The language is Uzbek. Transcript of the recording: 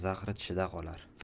zahri tishida qolar